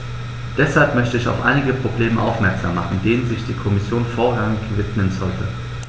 Deshalb möchte ich auf einige Probleme aufmerksam machen, denen sich die Kommission vorrangig widmen sollte.